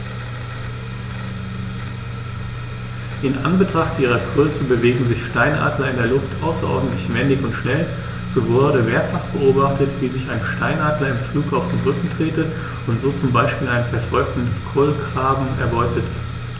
In Anbetracht ihrer Größe bewegen sich Steinadler in der Luft außerordentlich wendig und schnell, so wurde mehrfach beobachtet, wie sich ein Steinadler im Flug auf den Rücken drehte und so zum Beispiel einen verfolgenden Kolkraben erbeutete.